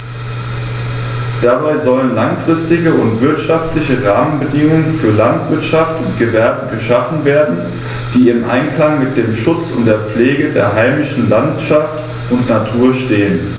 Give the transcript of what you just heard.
Dabei sollen langfristige und wirtschaftliche Rahmenbedingungen für Landwirtschaft und Gewerbe geschaffen werden, die im Einklang mit dem Schutz und der Pflege der heimischen Landschaft und Natur stehen.